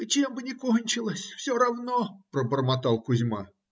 - Чем бы ни кончилось, все равно, - пробормотал Кузьма.